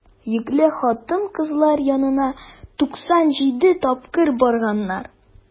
Йөкле хатын-кызлар янына 97 тапкыр барганнар.